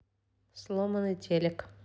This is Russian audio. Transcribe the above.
сломатый телек